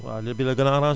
waaw li bi la gën a arrangé